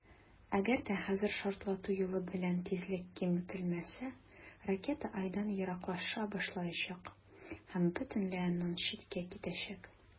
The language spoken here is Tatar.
Әгәр дә хәзер шартлату юлы белән тизлек киметелмәсә, ракета Айдан ераклаша башлаячак һәм бөтенләй аннан читкә китәчәк.